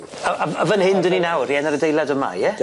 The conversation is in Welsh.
A a a fyn hyn 'dyn ni nawr ie yn yr adeilad yma ie?